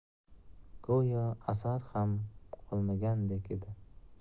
go'yo asar ham qolmagandek edi